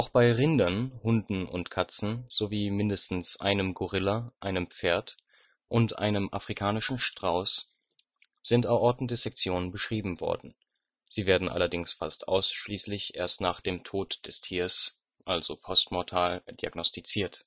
bei Rindern, Hunden und Katzen sowie mindestens einem Gorilla, einem Pferd und einem afrikanischen Strauß sind Aortendissektionen beschrieben worden, sie werden allerdings fast ausschließlich erst nach dem Tod des Tieres (postmortal) diagnostiziert